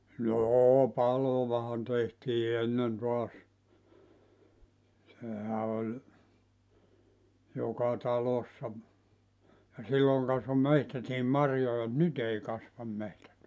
no paloahan tehtiin ennen taas sehän oli joka talossa ja silloin kasvoi metsätkin marjoja mutta nyt ei kasva metsät